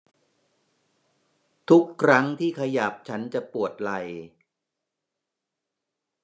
ทุกครั้งที่ขยับฉันจะปวดไหล่